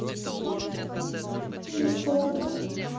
без повода